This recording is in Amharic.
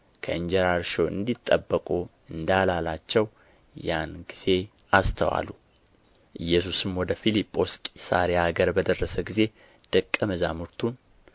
ከእንጀራ እርሾ እንዲጠበቁ እንዳላላቸው ያን ጊዜ አስተዋሉ ኢየሱስም ወደ ፊልጶስ ቂሣርያ አገር በደረሰ ጊዜ ደቀ መዛሙርቱን